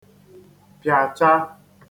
pịàcha